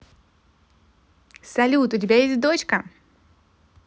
салют у тебя есть дочка